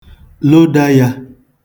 Loda ya.